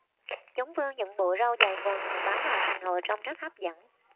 chúng vươn những bộ râu dài ngoằng bám vào thành hồ trông rất hấp dẫn